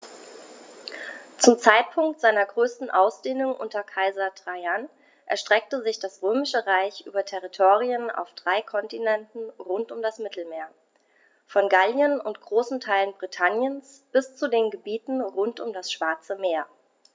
Zum Zeitpunkt seiner größten Ausdehnung unter Kaiser Trajan erstreckte sich das Römische Reich über Territorien auf drei Kontinenten rund um das Mittelmeer: Von Gallien und großen Teilen Britanniens bis zu den Gebieten rund um das Schwarze Meer.